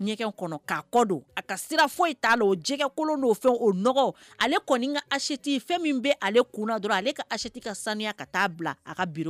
A foyi ta jɛgɛ o ale kɔni ka aseti fɛn min bɛ kunna dɔrɔn ale ka aseti ka sani ka taa bila a